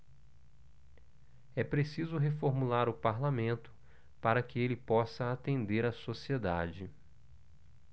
é preciso reformular o parlamento para que ele possa atender a sociedade